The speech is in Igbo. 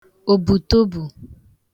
òbùtòbù